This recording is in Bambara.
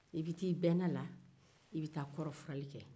i bɛ taa i bɛna na i bɛ taa kɔrɔfurali kɛ